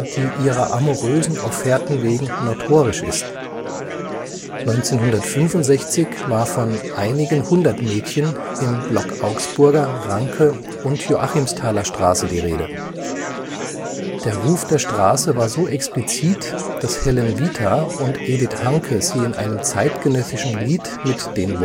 die ihrer amourösen Offerten wegen notorisch ist “, 1965 war von „ einigen hundert Mädchen “im Block Augsburger, Ranke - und Joachimstaler Straße die Rede. Der Ruf der Straße war so explizit, dass Helen Vita und Edith Hancke sie in einem zeitgenössischen Lied mit den